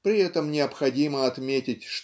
При этом необходимо отметить